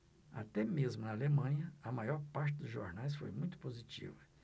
até mesmo na alemanha a maior parte dos jornais foi muito positiva